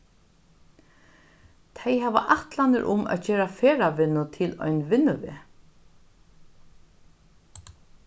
tey hava ætlanir um at gera ferðavinnu til ein vinnuveg